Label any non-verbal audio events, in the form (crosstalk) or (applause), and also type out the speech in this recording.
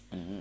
(hesitation) (hesitation)